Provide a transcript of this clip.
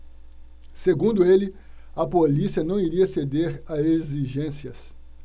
segundo ele a polícia não iria ceder a exigências